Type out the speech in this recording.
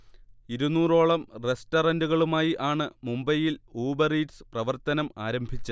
ഇരുന്നൂറ് ഓളം റെസ്റ്ററന്റുകളുമായി ആണ് മുംബൈയിൽ ഊബർ ഈറ്റ്സ് പ്രവർത്തനം ആരംഭിച്ചത്